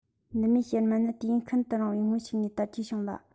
ནུ མའི གཤེར རྨེན ནི དུས ཡུན ཤིན ཏུ རིང བའི སྔོན ཞིག ནས དར རྒྱས བྱུང ལ